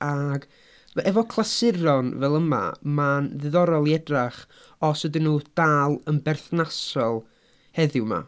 Ac w- efo clasuron fel yma mae'n ddiddorol i edrych os ydyn nhw dal yn berthnasol heddiw 'ma.